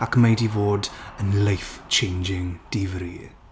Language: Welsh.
ac mae 'di fod yn life changing difri.